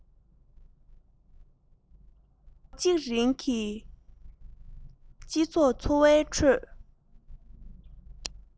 འཕྲད པའི དཀའ སྡུག དང བསྡུར ན སྐྲག སྣང དེ ནི ཉམ ཆུང བ ཞིག རེད